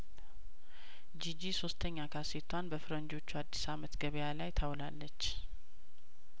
ጂጂ ሶስተኛ ካሴቷን በፈረንጆቹ አዲስ አመት ገበያ ላይ ታውላለች